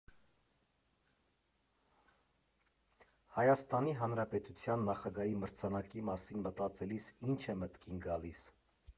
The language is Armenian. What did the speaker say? Հայաստանի Հանրապետության նախագահի մրցանակի մասին մտածելիս ի՞նչ է մտքին գալիս։